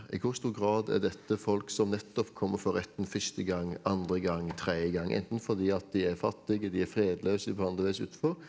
i hvor stor grad er dette folk som nettopp kommer fra retten første gang, andre gang, tredje gang, enten fordi at de er fattige, de er fredløse, utenfor,